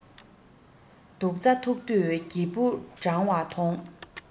སྡུག རྩ ཐུག དུས སྒྱིད བུ གྲང བ མཐོང